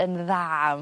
yn dda ym...